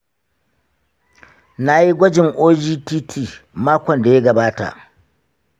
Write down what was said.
nayi gwajin ogtt makon da ya gabata.